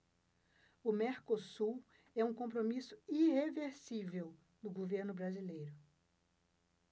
o mercosul é um compromisso irreversível do governo brasileiro